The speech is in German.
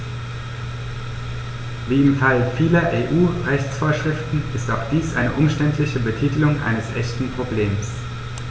Wie im Fall vieler EU-Rechtsvorschriften ist auch dies eine umständliche Betitelung eines echten Problems.